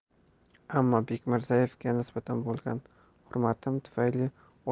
ammo bekmirzaevga nisbatan bo'lgan hurmatim tufayli